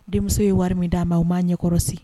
Denmuso ye wari min d'a ma u ma'a ɲɛkɔrɔsi